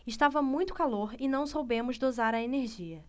estava muito calor e não soubemos dosar a energia